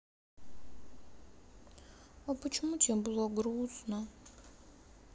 а почему тебе было грустно